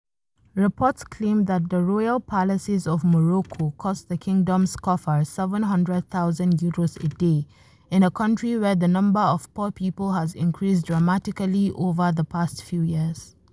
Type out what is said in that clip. Reports claim that the royal palaces of Morocco cost the kingdom's coffers 700,000 Euros a day, in a country where the number of poor people has increased dramatically over the past few years.